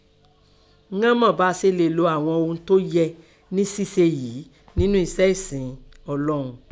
nyàn mọ bá a ṣe lè lo àghọn ohun tó yẹ ní ṣíṣe yìí nínú iṣẹ́ ìsìn Ọlọ́run.